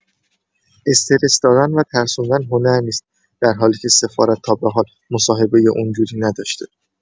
استرس دادن و ترسوندن هنر نیست در حالی که سفارت تابحال مصاحبه اونجوری نداشته!